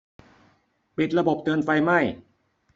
ปิดระบบเตือนไฟไหม้